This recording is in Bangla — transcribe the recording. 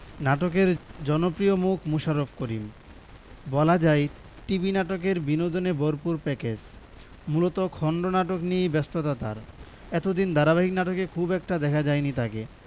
নাটকের জনপ্রিয় মুখ মোশাররফ করিম বলা যায় টিভি নাটকের বিনোদনে ভরপুর প্যাকেজ মূলত খণ্ডনাটক নিয়েই ব্যস্ততা তার এতদিন ধারাবাহিক নাটকে খুব একটা দেখা যায়নি তাকে